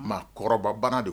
Maa kɔrɔba banna don